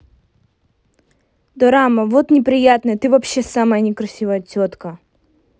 дорама вот неприятна ты вообще самая некрасивая тетка